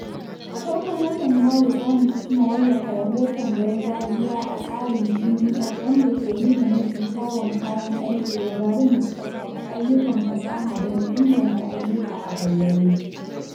A farkon watan Mayu za mu kuma wallafa rahoton gargajiya a tsarin PDF wanda ke nuna mafi kyawun kayan aiki da dabarun da suka shafi ayyukan fasaha don inganta ayyuka a bayyane.